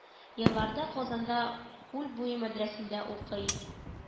Елларда казанда күлбуе мәдрәсендә укый